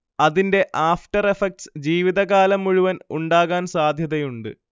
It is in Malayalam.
അതിന്റെ ആഫ്ടർ എഫെക്റ്റ്സ് ജീവിതകാലം മുഴുവൻ ഉണ്ടാകാൻ സാധ്യതയുണ്ട്